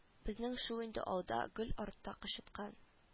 Безнең шул инде алда гөл артта кычыткан